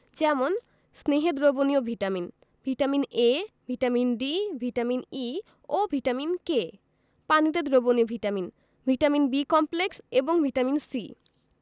যেমন স্নেহে দ্রবণীয় vitamin vitamin A vitamin D vitamin E ও ভিটামিন K পানিতে দ্রবণীয় ভিটামিন ভিটামিন B কমপ্লেক্স এবং ভিটামিন C